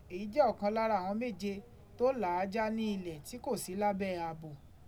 Èyí jẹ́ ọ̀kan lára àwọn méje tó là á já ní ilẹ̀ tí kò sí lábẹ́ ààbò.